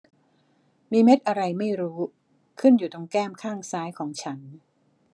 มีเม็ดอะไรไม่รู้ขึ้นอยู่ตรงแก้มข้างซ้ายของฉัน